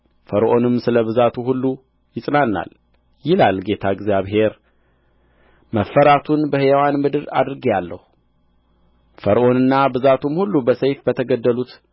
ፈርዖንና ሠራዊቱ ሁሉ ያዩአቸዋል ፈርዖንም ስለ ብዛቱ ሁሉ ይጽናናል ይላል ጌታ እግዚአብሔር መፈራቱን በሕያዋን ምድር አድርጌአለሁ ፈርዖንና ብዛቱም ሁሉ በሰይፍ በተገደሉት